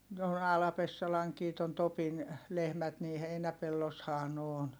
no Ala-Pessalankin tuon Topin lehmät niin heinäpellossahan ne on